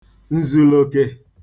ǹzùlòkè